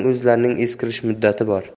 o'zlarining eskirish muddati bor